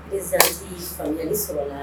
Desactii faamuyali sɔrɔla